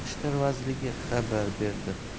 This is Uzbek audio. ishlar vazirligi xabar berdi